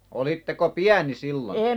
olitteko pieni silloin